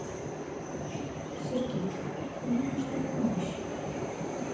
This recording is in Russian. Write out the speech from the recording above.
сергей мне нужна помощь